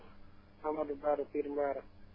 Amadou Ba la Firmbaara